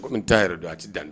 Ko n taaa yɛrɛ don a tɛ dan